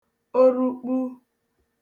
orukpu